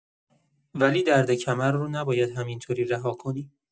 ولی درد کمر رو نباید همین‌طوری رها کنی.